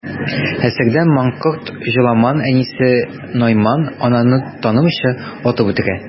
Әсәрдә манкорт Җоламан әнисе Найман ананы танымыйча, атып үтерә.